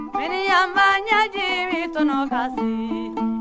miniyanba ɲɛji min tɔnɔ ka fin